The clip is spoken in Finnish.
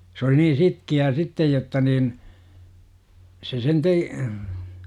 se oli niin sitkeää sitten jotta niin se sen -